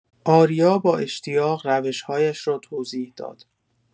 آریا با اشتیاق روش‌هایش را توضیح داد.